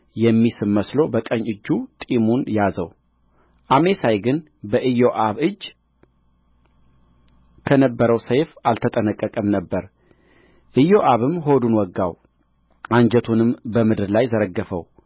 የሚስም መስሎ በቀን እጁ ጢሙን ያዘው አሜሳይ ግን በኢዮአብ እጅ ከነበረው ሰይፍ አልተጠነቀቀም ነበር ኢዮአብም ሆዱን ወጋው አንጀቱንም በምድር ላይ ዘረገፈው